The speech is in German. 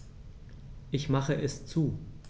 Ich mache es zu.